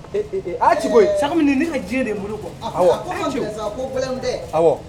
Ee a sa min ni ne diɲɛ de bolo kɔ ko tɛ aw